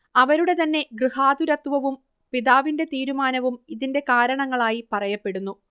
അവരുടെ തന്നെ ഗൃഹാതുരത്വവും പിതാവിന്റെ തീരുമാനവും ഇതിന്റെ കാരണങ്ങളായി പറയപ്പെടുന്നു